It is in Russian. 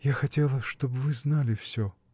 — Я хотела, чтоб вы знали всё.